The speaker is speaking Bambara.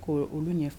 ' olu